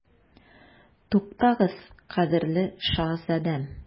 Туктагыз, кадерле шаһзадәм.